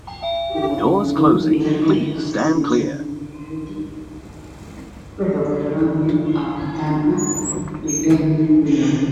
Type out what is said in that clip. Waa dhago yaryar oo kasameysan lojik waxay kujiraan meel cadaan ah, dhagaha midabkooda waa dahabi.